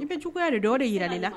N bɛ cogoyaya de dɔw de jira de la